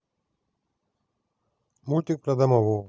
мультик про домового